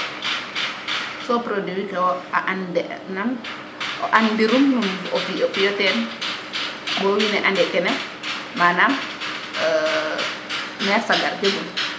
so produit ke wo a an de nam o an diroolum fifoy teen bo wine ane kene manaam mére sagar jegun